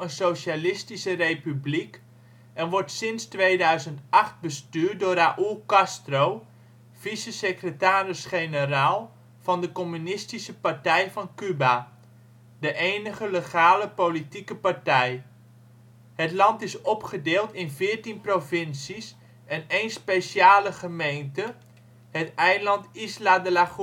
socialistische republiek, en wordt sinds 2008 bestuurd door Raúl Castro, vice-secretaris-generaal van de Communistische Partij van Cuba - de enige legale politieke partij. Het land is opgedeeld in veertien provincies en één speciale gemeente: het eiland Isla de la